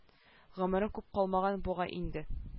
Гомерең күп калмаган бугай инде